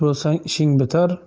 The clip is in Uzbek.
bo'lsang ishing bitar